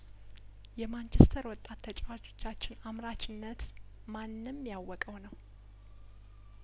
የማንቸስተር ወጣት ተጫዋቾቻችን አምራችነት ማንም ያወቀው ነው